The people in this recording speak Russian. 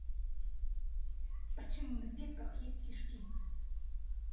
почему на ветках есть кишки